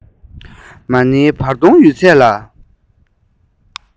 མ ནེའི བར གདོང ཡོད ཚད ལ